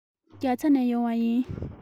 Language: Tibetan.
རྒྱ ཚ ནས ཡོང བ ཡིན